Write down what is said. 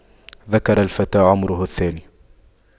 ذكر الفتى عمره الثاني